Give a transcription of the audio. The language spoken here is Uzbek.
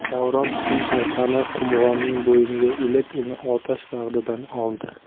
davron sim halqani qumg'onning bo'yniga ilib uni otash bag'ridan oldi